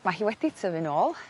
ma' hi wedi tyfu nôl